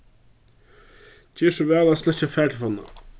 ger so væl at sløkkja fartelefonina